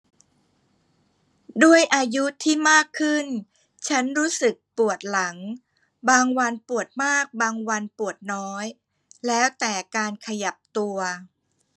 ด้วยอายุที่มากขึ้นฉันรู้สึกปวดหลังบางวันปวดมากบางวันปวดน้อยแล้วแต่การขยับตัว